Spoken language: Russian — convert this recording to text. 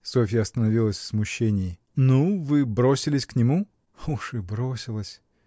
Софья остановилась в смущении. — Ну, вы бросились к нему. — Уж и бросилась!